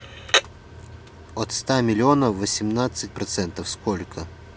от ста миллионов восемнадцать процентов сколько